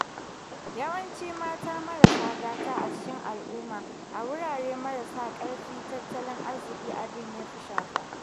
Yawanci mata marasa gata a cikin al'umma a wurare marasa ƙarfin tattalin arziƙi abin ya fi shafa.